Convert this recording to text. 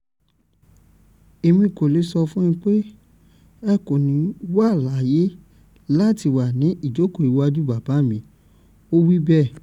"Èmi kò le sọ fún pé ‘ẹ kò ní wà láyé láti wà ní ìjókòó ìwájú bábá mi’,” ó wí bẹ̀ẹ̀.